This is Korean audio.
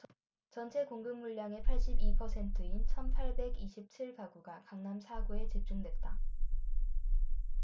전체 공급 물량의 팔십 이 퍼센트인 천 팔백 이십 칠 가구가 강남 사 구에 집중됐다